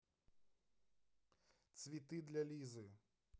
цветы для лизы